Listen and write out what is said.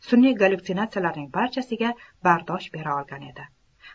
sun'iy gallyutsinatsiyalarning barchasiga bardosh bera olgan edi